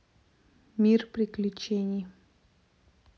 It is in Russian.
мир приключений